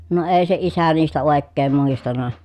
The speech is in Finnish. no ei se isä niistä oikein muistanut